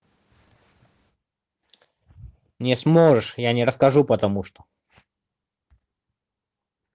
не сможешь я не расскажу потому что